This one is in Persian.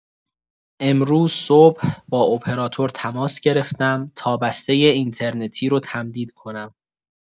امروز صبح با اپراتور تماس گرفتم تا بسته اینترنتی رو تمدید کنم.